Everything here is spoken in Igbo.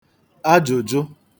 ajụ̀jụ